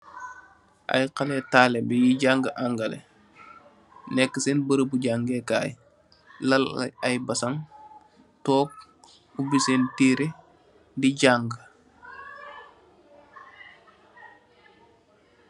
Ay xaleh talibeh yuy jaanga ngaleh nekka ci sèèn barabu jangèè kai